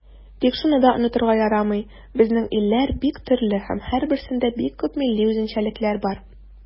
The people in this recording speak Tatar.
Тик шуны да онытырга ярамый, безнең илләр бик төрле һәм һәрберсендә бик күп милли үзенчәлекләр бар.